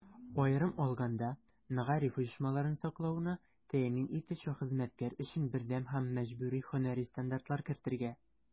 Аерым алганда, мәгариф оешмаларын саклауны тәэмин итүче хезмәткәр өчен бердәм һәм мәҗбүри һөнәри стандартлар кертергә.